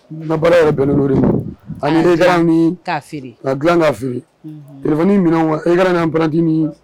Baara yɛrɛ bɛnnen don an h ka dila ka fili min wa eran an baratimi